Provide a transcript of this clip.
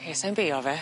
Ie sai'n beio fe.